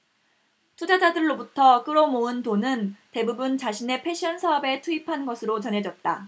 투자자들로부터 끌어모은 돈은 대부분 자신의 패션사업에 투입한 것으로 전해졌다